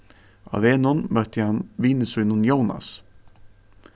á vegnum møtti hann vini sínum jónas